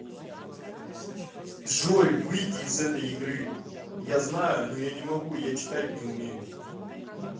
джой выйди из этой игры я знаю но я не могу я читать не умею